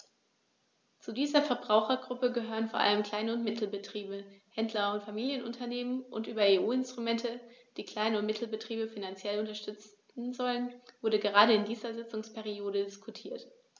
Zu dieser Verbrauchergruppe gehören vor allem Klein- und Mittelbetriebe, Händler und Familienunternehmen, und über EU-Instrumente, die Klein- und Mittelbetriebe finanziell unterstützen sollen, wurde gerade in dieser Sitzungsperiode diskutiert.